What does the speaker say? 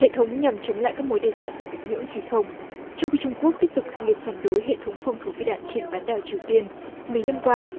hệ thống nhằm chống lại các mối đe dọa từ bình nhưỡng hay không trong khi trung quốc tiếp tục kịch liệt phản đối hệ thống phòng thủ phi đạn trên bán đảo triều tiên mấy năm qua